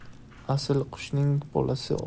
asl qushning bolasi